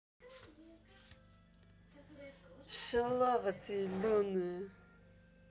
шалава ты ебаная